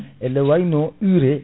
ene wayno urée